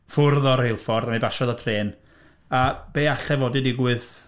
Ffwrdd o'r rheilffordd a mi basiodd y trên, a be allai fod 'di digwydd?